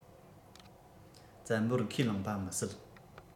བཙན པོར ཁས བླངས པ མི སྲིད